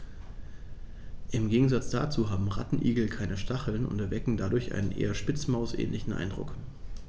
Im Gegensatz dazu haben Rattenigel keine Stacheln und erwecken darum einen eher Spitzmaus-ähnlichen Eindruck.